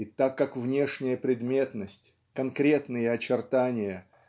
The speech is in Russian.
И так как внешняя предметность конкретные очертания